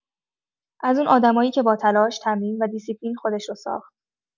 از اون آدمایی که با تلاش، تمرین و دیسیپلین خودش رو ساخت.